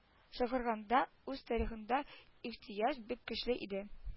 Шыгырданда үз тарихында ихтыяҗ бик көчле иде